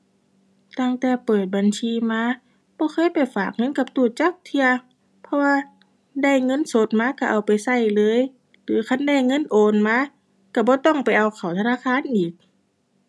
ตั้งแต่เปิดบัญชีมาบ่เคยไปฝากเงินกับตู้จักเทื่อ เพราะว่าได้เงินสดมาก็เอาไปก็เลย หรือคันใดเงินโอนมาก็บ่ต้องไปเอาเข้าธนาคารอีก